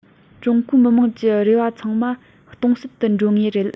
ཀྲུང གོའི མི དམངས ཀྱི རེ བ ཚང མ སྟོང ཟད དུ འགྲོ ངེས རེད